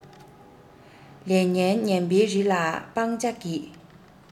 ལས ངན ངན པའི རིགས ལ སྤང བྱ གྱིས